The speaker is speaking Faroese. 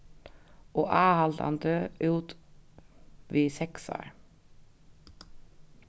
og áhaldandi út við seks ár